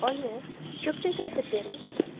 oyi cho'pchak aytib bering